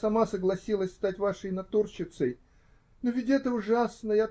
я сама согласилась стать вашей натурщицей. Но ведь это ужасно!